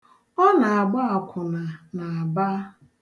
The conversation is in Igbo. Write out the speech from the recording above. Ọ na-agba akwụna n'Aba.